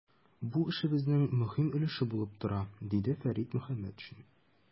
Бу эшебезнең мөһим өлеше булып тора, - диде Фәрит Мөхәммәтшин.